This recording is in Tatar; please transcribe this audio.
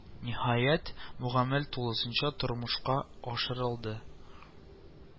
Ниһаять, бу гамәл тулысынча тормышка ашырылды